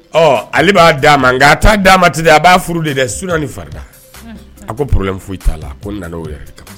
Ɔ ale b'a da ma nka a taa d'a mati a b'a furu de dɛ su ni farida a ko porolen foyi t'a la ko nan yɛrɛ